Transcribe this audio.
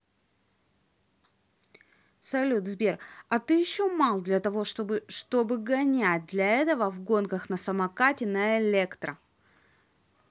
салют сбер а ты еще мал для того чтобы чтобы гонять для этого в гонках на самокате на электро